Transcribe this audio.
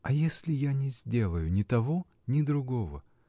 — А если я не сделаю ни того ни другого?